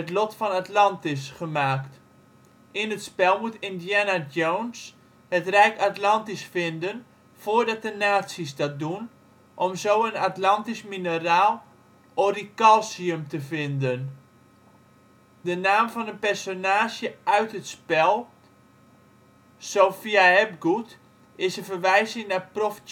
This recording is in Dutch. Lot van Atlantis) gemaakt. In het spel moet Indiana Jones het rijk Atlantis vinden voordat de Nazi 's dat doen, om zo een Atlantisch mineraal Oricalcium te vinden. De naam van een personage uit het spel, Sophia Hapgood, is een verwijzing naar Prof.